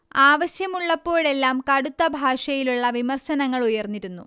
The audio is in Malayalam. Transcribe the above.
ആവശ്യമുള്ളപ്പോഴെല്ലാം കടുത്ത ഭാഷയിലുള്ള വിമർശനങ്ങളുയർന്നിരുന്നു